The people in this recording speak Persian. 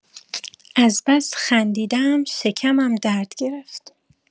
از بس خندیدم شکمم درد گرفت